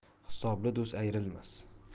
hisobli do'st ayrilmas